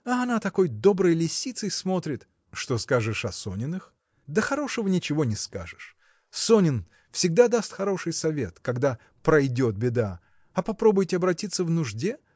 А она такой доброй лисицей смотрит. – Что скажешь о Сониных? – Да хорошего ничего не скажешь. Сонин всегда даст хороший совет когда пройдет беда а попробуйте обратиться в нужде.